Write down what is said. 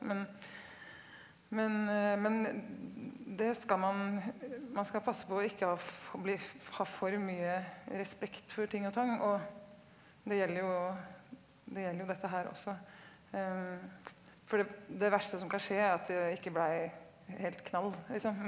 men men en det skal man man skal passe på å ikke ha bli ha for mye respekt for ting og tang og det gjelder jo og det gjelder jo dette her også for det det verste som kan skje er at det ikke blei helt knall liksom.